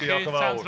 diolch yn fawr